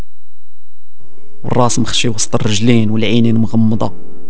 رسم مبسط الرجلين والعين المغمضه